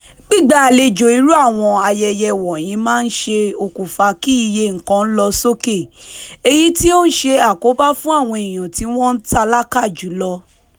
Gbígba àlejò irú àwọn ayẹyẹ wọ̀nyìí máa ń ṣokùnfà kí iye nǹkan lọ sókè, èyí tí ó ń ṣe àkóbá fún àwọn èèyàn tí wọn tálákà jùlọ.